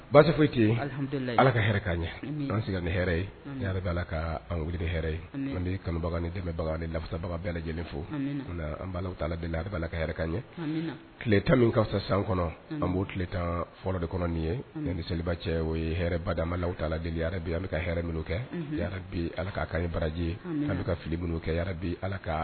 Baasi foyi ala ka ɲɛ ni ka wuli ye an bɛ kanubaga ni dɛmɛbaga ni lasabaga bɛɛ lajɛlen fo an b' la ka hɛrɛ ɲɛ tile tan min ka san kɔnɔ an b'o tile tan fɔlɔ de kɔnɔ ye ni selili cɛ o ye hɛrɛ bada la ta deli bi an bɛ ka hɛrɛ minnu kɛ bi ala ka kan ye baraji an bɛ ka fili minnu kɛbi ala kan